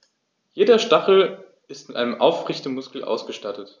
Jeder Stachel ist mit einem Aufrichtemuskel ausgestattet.